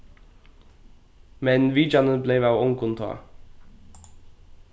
men vitjanin bleiv av ongum tá